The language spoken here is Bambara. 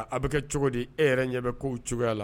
A bɛ kɛ cogo di e yɛrɛ ɲɛ bɛ ko o cogoyaya la